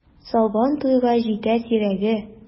Сабан туйга җитә сирәге!